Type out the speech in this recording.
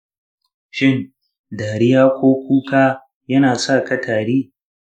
shin dariya ko kuka yana sa ka tari?